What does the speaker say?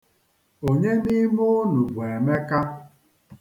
Onye n'ime unu bụ Emeka?